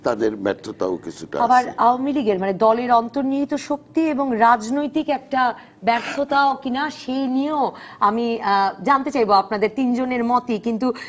তাদের ব্যর্থতা ও কিছুটা আছে আবার আওয়ামী লীগের মানে দলের অন্তর্নিহিত শক্তি এবং রাজনৈতিক একটা ব্যর্থতাও কিনা সে নিয়েও আমি জানতে চাইব আপনাদের তিনজনের মতে কিন্তু